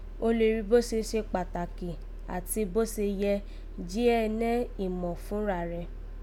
O lè rí bó se se kpàtàkì tó àti bó se yẹ jẹ́ ẹ nẹ́ ìmà fúnra rẹ̀ ẹ